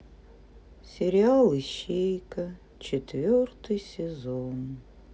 сериал ищейка четвертый сезон